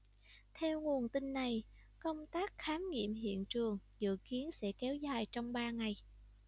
theo nguồn tin này công tác khám nghiệm hiện trường dự kiến sẽ kéo dài trong ba ngày